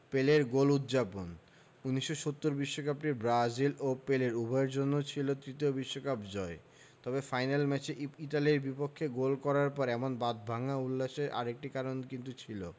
পেলের গোল উদ্যাপন ১৯৭০ বিশ্বকাপটি ব্রাজিল এবং পেলে উভয়ের জন্যই ছিল তৃতীয় বিশ্বকাপ জয় তবে ফাইনাল ম্যাচে ইতালির বিপক্ষে গোল করার পর এমন বাঁধভাঙা উল্লাসের আরেকটি কারণ কিন্তু ছিল